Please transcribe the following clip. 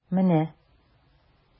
Менә...